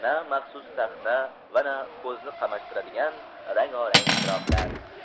na maxsus sahna va na ko'zni qamashtiradigan rango rang chiroqlar